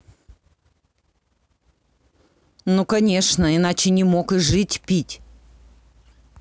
ну конечно иначе не мог и жить пить